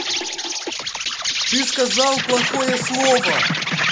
ты сказал плохое слово